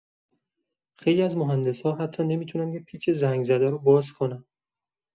خیلی از مهندس‌ها حتی نمی‌تونن یه پیچ زنگ‌زده رو باز کنن.